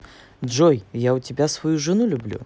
джой я у тебя свою жену люблю